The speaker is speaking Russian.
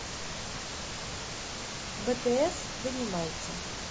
bts донимайте